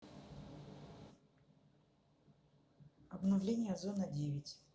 обновление зона девять